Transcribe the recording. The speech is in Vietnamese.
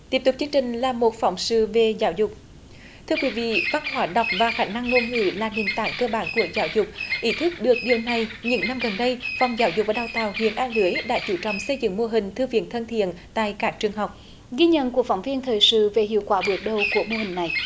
tiếp tục chương trình là một phóng sự về giáo dục thưa quý vị văn hóa đọc và khả năng ngôn ngữ là nền tảng cơ bản của giáo dục ý thức được điều này những năm gần đây phòng giáo dục và đào tạo huyện a lưới đã chú trọng xây dựng mô hình thư viện thân thiện tại các trường học ghi nhận của phóng viên thời sự về hiệu quả bước đầu của mô hình này